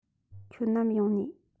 ཁྱོད ནམ ཡོང ནིས